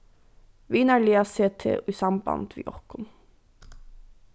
vinarliga set teg í samband við okkum